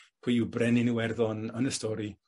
Pwy yw brenin Iwerddon yn y stori?